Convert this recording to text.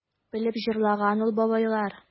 Белеп җырлаган шул бабайлар...